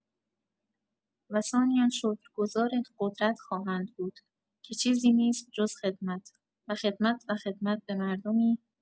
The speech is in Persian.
و ثانیا شکرگزار قدرت خواهند بود که چیزی نیست جز خدمت و خدمت و خدمت به مردمی